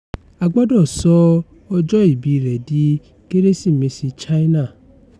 A gbọdọ̀ sọ ọjọ́ ìbíi rẹ̀ di Kérésìmesì China.